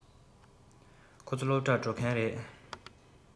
ཁོ ཚོ སློབ གྲྭར འགྲོ མཁན རེད